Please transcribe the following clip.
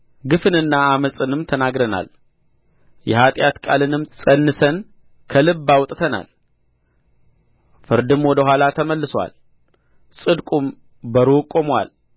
ግፍንና ዓመፅንም ተናግረናል የኃጢአት ቃልንም ፀንሰን ከልብ አውጥተናል ፍርድም ወደ ኋላ ተመልሶአል ጽድቅም በሩቅ ቆሞአል